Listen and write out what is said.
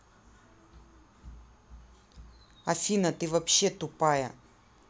афина ты вообще тупая